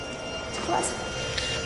Ti clywad?